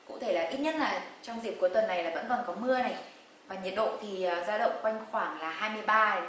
cụ thể là ít nhất là trong dịp cuối tuần này là còn có mưa này và nhiệt độ thì dao động quanh khoảng là hai mươi ba